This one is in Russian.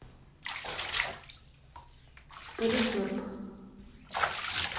полисорб